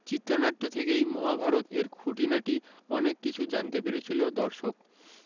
চিত্রনাট্য থেকেই মহাভারত এর খুঁটিনাটি অনেক কিছু জানতে পেরেছিল দর্শক